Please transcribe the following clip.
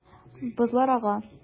Бозлар ага.